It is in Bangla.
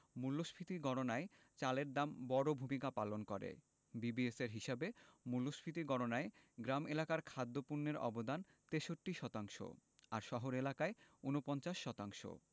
মূল্যস্ফীতি গণনায় চালের দাম বড় ভূমিকা পালন করে বিবিএসের হিসাবে মূল্যস্ফীতি গণনায় গ্রাম এলাকায় খাদ্যপণ্যের অবদান ৬৩ শতাংশ আর শহর এলাকায় ৪৯ শতাংশ